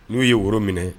N'u ye woro minɛ